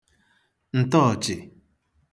ǹtọọ̀chị̀